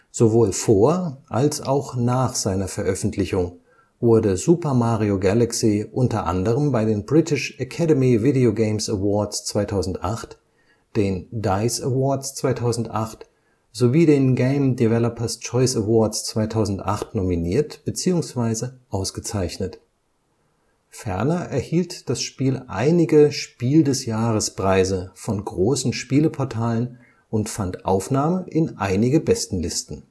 Sowohl vor als auch nach seiner Veröffentlichung wurde Super Mario Galaxy unter anderem bei den British Academy Video Games Awards 2008, den DICE Awards 2008 sowie den Game Developers Choice Awards 2008 nominiert beziehungsweise ausgezeichnet. Ferner erhielt das Spiel einige „ Spiel-des-Jahres “- Preise von großen Spieleportalen und fand Aufnahme in einige Bestenlisten